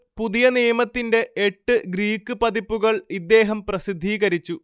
പുതിയ നിയമത്തിന്റെ എട്ട് ഗ്രീക്ക് പതിപ്പുകൾ ഇദ്ദേഹം പ്രസിദ്ധീകരിച്ചു